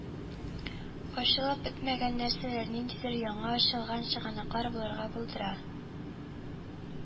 Ачылып бетмәгән нәрсәләр, ниндидер яңа ачылган чыганаклар булырга булдыра